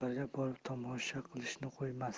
otchoparga borib tomosha qilishni qo'ymasdi